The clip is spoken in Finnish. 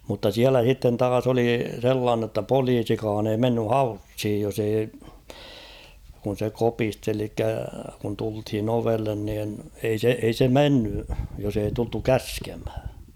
mutta siellä sitten taas oli sellainen jotta poliisikaan ei mennyt haussiin jos ei kun se kopisteli eli kun tultiin ovelle niin ei se ei se mennyt jos ei tultu käskemään